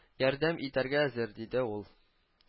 Ярдәм итәргә әзер, диде ул